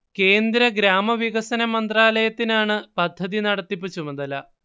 കേന്ദ്ര ഗ്രാമവികസന മന്ത്രാലയത്തിനാണ് പദ്ധതി നടത്തിപ്പ് ചുമതല